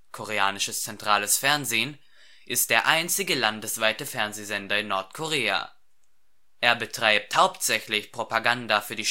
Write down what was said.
Koreanisches Zentrales Fernsehen) ist der einzige landesweite Fernsehsender in Nordkorea. Er betreibt hauptsächlich Propaganda für die